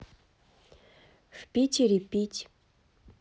в питере пить